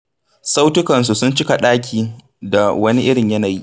Sautukansu sun cika ɗakin da wani irin yanayi.